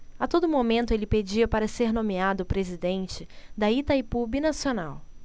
a todo momento ele pedia para ser nomeado presidente de itaipu binacional